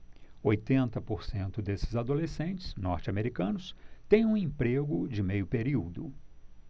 oitenta por cento desses adolescentes norte-americanos têm um emprego de meio período